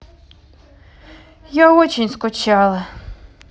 я очень скучала